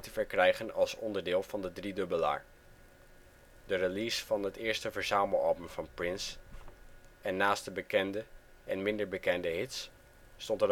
verkrijgen als onderdeel van de driedubbelaar. De release was het eerste verzamelalbum van Prince en naast de bekende en minder bekende hits, stond